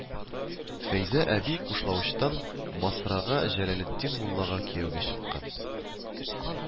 Фәйзә әби Кушлавычтан Масрага Җәләлетдин муллага кияүгә чыккан